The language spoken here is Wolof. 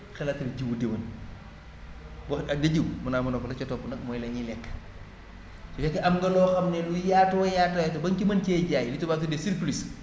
xalaatuñ jiwu déwén *** jiwu mu ne ah ma ne ko la ca topp nag mooy la ñuy lekk bien que am nga loo xam ne lu yaatoo yaatu ba ñu mën cee jaay li tubaab tuddee surplus